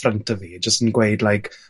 ffrynt o fi jys yn gweud like